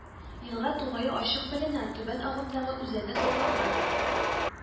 Елга тугае ачык беленә, түбән агымдагы үзәне сазланган